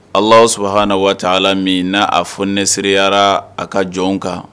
Ala sabaha na waati ala min n'a a fɔ nesiyara a ka jɔn kan